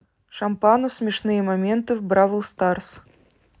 шампанов смешные моменты в бравл старс